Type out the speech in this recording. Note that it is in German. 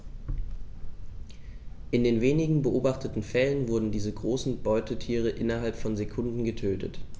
In den wenigen beobachteten Fällen wurden diese großen Beutetiere innerhalb von Sekunden getötet.